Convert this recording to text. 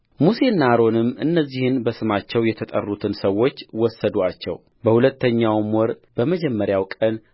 ሙሴና አሮንም እነዚህን በስማቸው የተጠሩትን ሰዎች ወሰዱአቸውበሁለተኛውም ወር በመጀመሪያው ቀን